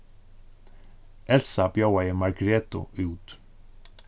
elsa bjóðaði margretu út